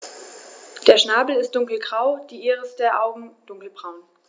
Der Schnabel ist dunkelgrau, die Iris der Augen dunkelbraun.